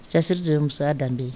Cɛsiriri de musoya danbebe yen